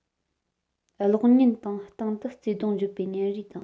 གློག བརླན དང སྟེང དུ བརྩེ དུང བརྗོད པའི བརྙན རིས དང